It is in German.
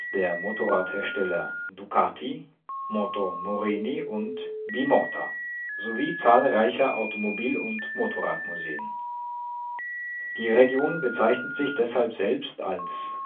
der Motorradhersteller Ducati, Moto Morini und Bimota sowie zahlreicher Automobil - und Motorradmuseen. Die Region bezeichnet sich deshalb selbst als